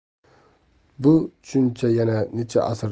bu tushuncha yana necha